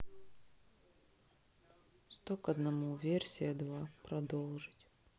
сто к одному версия два продолжить